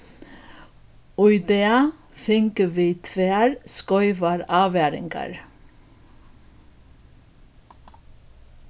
í dag fingu vit tvær skeivar ávaringar